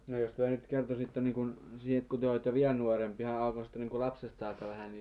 no jos te nyt kertoisitte niin kuin siitä kun te olitte vielä nuorempi ihan alkaisitte niin kuin lapsesta saakka vähän niistä